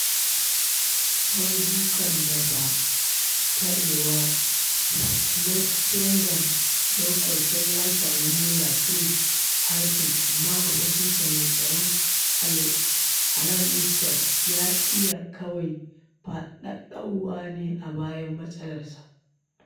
Wani dukan da ba tarewa na Keaghan Jacobs sai ya sami gola Craig Halkett amma abokinsa mai tsaro Alan Lithgow ya iya kawai faɗaɗawa ne a bayan matsayar.